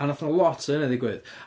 A wnaeth 'na lot o hynny ddigwydd